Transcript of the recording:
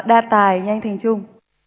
đa tài như anh thành chung